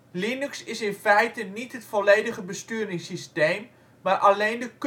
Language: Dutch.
Linux is in feite niet het volledige besturingssysteem, maar alleen de